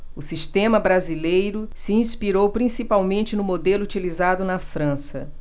o sistema brasileiro se inspirou principalmente no modelo utilizado na frança